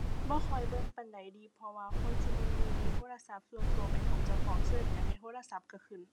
บ่ค่อยเบิ่งปานใดเดะ เพราะว่าคนซุมื้อนี้มีโทรศัพท์ส่วนตัวเป็นของเจ้าของ เสิร์ชหยังในโทรศัพท์ก็ขึ้น